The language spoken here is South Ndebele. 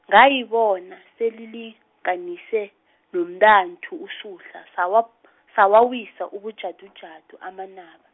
ngayibona, selilinganise, nomntanthu uSuhla, sabwa- sawawisa ubujadujadu amanaba.